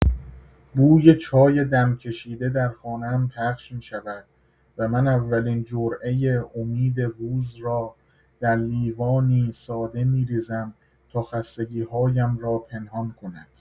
بوی چای دم‌کشیده در خانه‌ام پخش می‌شود و من اولین جرعه امید روز را در لیوانی ساده می‌ریزم تا خستگی‌هایم را پنهان کند.